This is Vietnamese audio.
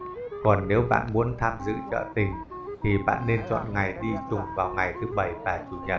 còn nếu bạn muốn tham dự chợ tình thì bạn nên chọn ngày đi trùng vào ngày thứ và chủ nhật